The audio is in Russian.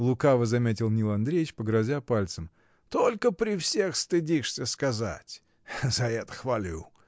— лукаво заметил Нил Андреич, погрозя пальцем, — только при всех стыдишься сказать. За это хвалю!